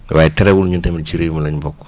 waaye terewul ñun tamit ci réew mi lañ bokk